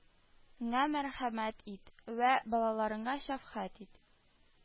Ңә мәрхәмәт ит; вә балаларыңа шәфкать ит»,